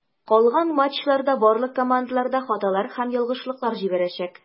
Калган матчларда барлык командалар да хаталар һәм ялгышлыклар җибәрәчәк.